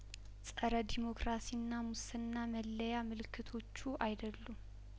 ጸረ ዴሞክራሲና ሙስና መለያ ምልክቶቹ አይደሉም